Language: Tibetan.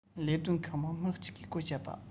ལས དོན ཁག མང མི གཅིག གིས གོ བཅད པ